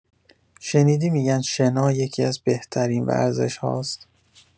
شنیدی می‌گن شنا یکی‌از بهترین ورزش‌هاست؟